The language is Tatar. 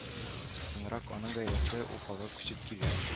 Соңрак аның гаиләсе уфага күчеп килә